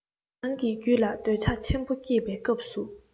རང གི རྒྱུད ལ འདོད ཆགས ཆེན པོ སྐྱེས པའི སྐབས སུ